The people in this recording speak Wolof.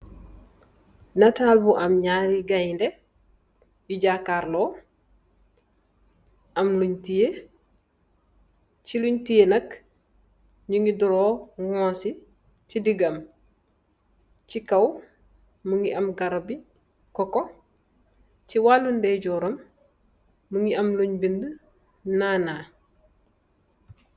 Naatal bu am njarri gaindeh, dii jakarlor, am lungh tiyeh, chi lungh tiyeh nk njungy draw ngosii chi digam, chi kaw mungy am garabi coco , chi waalou ndey johram mungy am lungh bindue nana.